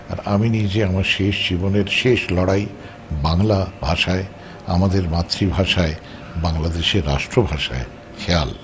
আর আমি নিজে আমার শেষ জীবনের শেষ লড়াই বাংলা ভাষায় আমাদের মাতৃভাষায বাংলাদেশের রাষ্ট্রভাষায়় খেয়াল